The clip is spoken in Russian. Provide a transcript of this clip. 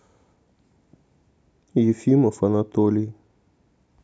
ефимов анатолий